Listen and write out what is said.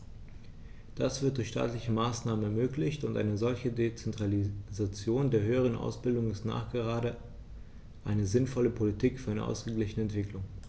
Das wird durch staatliche Maßnahmen ermöglicht, und eine solche Dezentralisation der höheren Ausbildung ist nachgerade eine sinnvolle Politik für eine ausgeglichene Entwicklung.